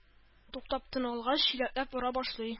Туктап тын алгач, чиләкләп ора башлый